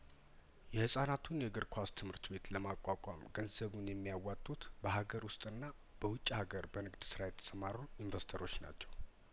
የህጻናቱን የእግር ኳስ ትምህርት ቤት ለማቋቋም ገንዘቡን የሚያዋጡት በሀገር ውስጥና በውጪ ሀገር በንግድ ስራ የተሰማሩ ኢንቬስተሮች ናቸው